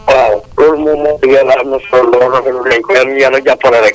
waaw loolu moom moom wax dëgg yàlla am na solo lool rafetlu nañ ko yàlla na ñu yàlla jàppale rek